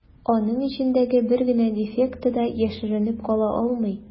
Аның эчендәге бер генә дефекты да яшеренеп кала алмый.